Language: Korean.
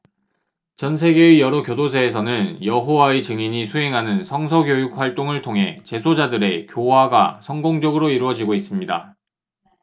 전 세계의 여러 교도소에서는 여호와의 증인이 수행하는 성서 교육 활동을 통해 재소자들의 교화가 성공적으로 이루어지고 있습니다